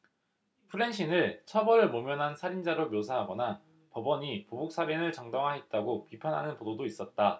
프랜신을 처벌을 모면한 살인자로 묘사하거나 법원이 보복살인을 정당화했다고 비판하는 보도도 있었다